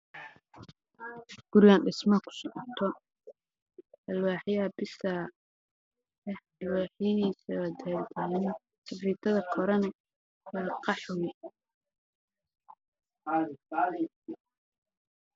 Waa guri dhismo kusocdo